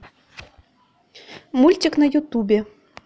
мультик на ютубе